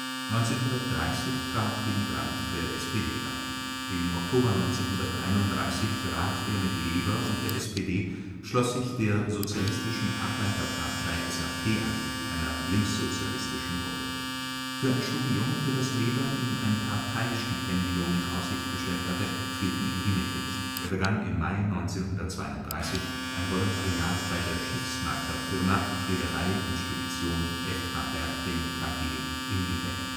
1930 trat er der SPD bei. Im Oktober 1931 brach er mit Leber und der SPD und schloss sich der Sozialistischen Arbeiterpartei (SAP) an, einer linkssozialistischen Gruppe. Für ein Studium, für das Leber ihm ein Parteistipendium in Aussicht gestellt hatte, fehlten ihm die Mittel; er begann im Mai 1932 ein Volontariat bei der Schiffsmaklerfirma, Reederei und Spedition F. H. Bertling KG in Lübeck